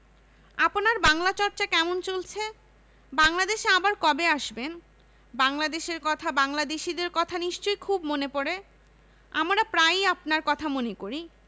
আপনার বাংলা চর্চা কেমন চলছে বাংলাদেশে আবার কবে আসবেন বাংলাদেশের কথা বাংলাদেশীদের কথা নিশ্চয় খুব মনে পরে আমরা প্রায়ই আপনারর কথা মনে করি